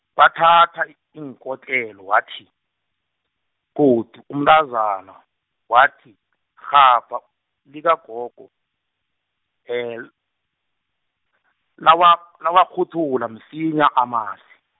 bathatha iinkotlelo wathi, godu umntazana, wathi, irhabha likagogo, l- lawa lawakghuthula msinya amasi.